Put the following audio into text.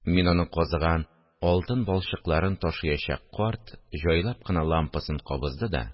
Мин аның казыган алтын балчыкларын ташыячак карт җайлап кына лампасын кабызды да